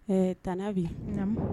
Ɛɛ tanti Abi naamu